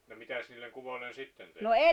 no mitäs niille kuvoille sitten tehtiin